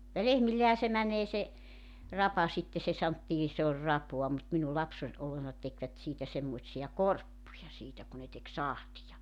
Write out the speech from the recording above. ja lehmillehän se menee se rapa sitten se sanottiin se oli rapaa mutta minun lapsena ollessa tekivät siitä semmoisia korppuja siitä kun ne teki sahtia